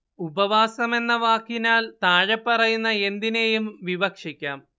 ഉപവാസം എന്ന വാക്കിനാൽ താഴെപ്പറയുന്ന എന്തിനേയും വിവക്ഷിക്കാം